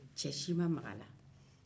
ce si ma maga a la